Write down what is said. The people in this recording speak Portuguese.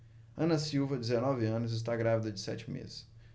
ana silva dezenove anos está grávida de sete meses